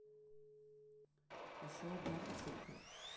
еще одна попытка